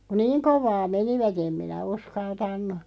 kun niin kovaa menivät en minä uskaltanut